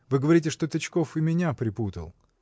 Вы говорите, что Тычков и меня припутал?